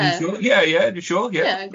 Dwi'n siŵr, ie ie dwi'n siŵr, ie ie.